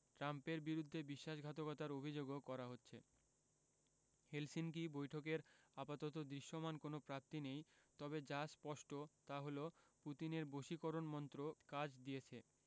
ট্রাম্পের বিরুদ্ধে বিশ্বাসঘাতকতার অভিযোগও করা হচ্ছে হেলসিঙ্কি বৈঠকের আপাতত দৃশ্যমান কোনো প্রাপ্তি নেই তবে যা স্পষ্ট তা হলো পুতিনের বশীকরণ মন্ত্র কাজ দিয়েছে